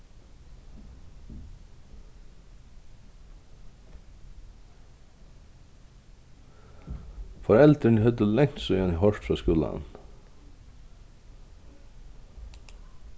foreldrini høvdu langt síðani hoyrt frá skúlanum